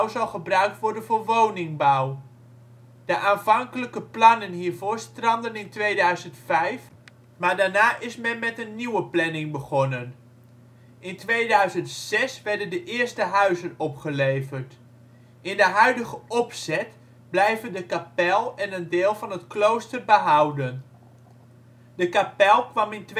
zal gebruikt worden voor woningbouw. De aanvankelijke plannen hiervoor strandden in 2005, maar daarna is men met een nieuwe planning begonnen. In 2006 werden de eerste huizen opgeleverd. In de huidige opzet blijven de kapel en een deel van het klooster behouden. De kapel kwam in